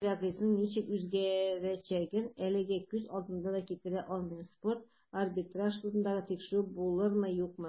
Әлеге вәзгыятьнең ничек үзгәрәчәген әлегә күз алдына да китерә алмыйм - спорт арбитраж судында тикшерү булырмы, юкмы.